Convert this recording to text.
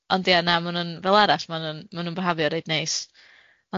Ond yym ond ie na ma' nw'n fel arall ma' nw'n ma' nw'n byhafio reit neis.